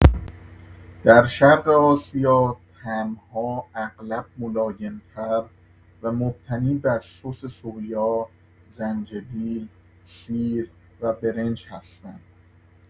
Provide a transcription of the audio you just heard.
در شرق آسیا طعم‌ها اغلب ملایم‌تر و مبتنی بر سس سویا، زنجبیل، سیر و برنج هستند.